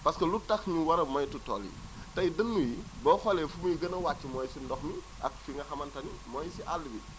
parce que lu tax ñu war a moytu tool yi tey dënnu yi boo xoolee fu muy gën a wàcc mooy si ndox mi ak fi nga xamante ni mooy si àll bi